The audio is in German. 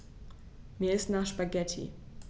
Mir ist nach Spaghetti.